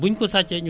mën na lakk